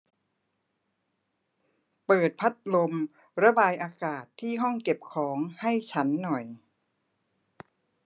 เปิดพัดลมระบายอากาศที่ห้องเก็บของให้ฉันหน่อย